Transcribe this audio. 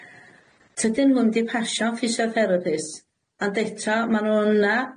Tydyn nw'm 'di pasio'n physiotherapists, ond eto ma' nw yna